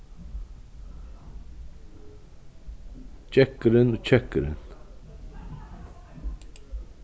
gekkurin og kekkurin